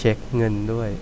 เช็คเงินด้วย